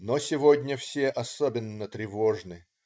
Но сегодня все особенно тревожны.